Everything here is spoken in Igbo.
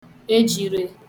ejire